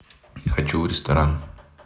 хочу в ресторан